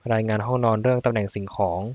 รายงานห้องนอนเรื่องตำแหน่งสิ่งของ